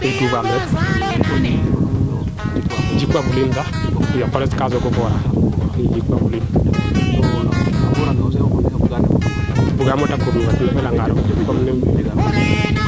i duufaam ren jikwa fuliim sax o koles kaa soogo foora bugaamo dako fi de a fela ngaa roog kay